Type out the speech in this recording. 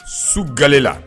Su gɛlɛla